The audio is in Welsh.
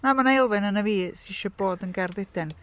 Na, ma' 'na elfen ohona fi sy isio bod yn gardd Eden.